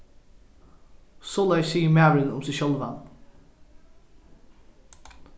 soleiðis sigur maðurin um seg sjálvan